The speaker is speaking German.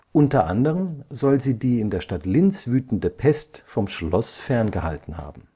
Unter anderem soll sie die in der Stadt Linz wütende Pest vom Schloss ferngehalten haben